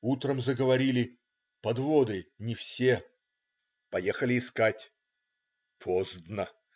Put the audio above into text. Утром заговорили: подводы не все! Поехали искать. Поздно.